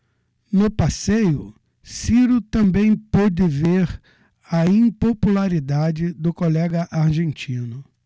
no passeio ciro também pôde ver a impopularidade do colega argentino